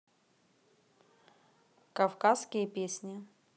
кавказские песни